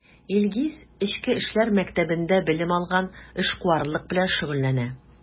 Илгиз Эчке эшләр мәктәбендә белем алган, эшкуарлык белән шөгыльләнә.